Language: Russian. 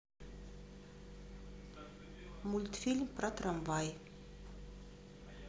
мультфильм про трамвай